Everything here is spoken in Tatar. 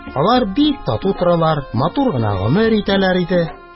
Алар бик тату торалар, матур гына гомер итәләр иде.